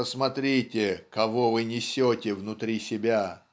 посмотрите, кого вы несете внутри себя",